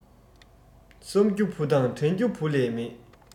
བསམ རྒྱུ བུ དང དྲན རྒྱུ བུ ལས མེད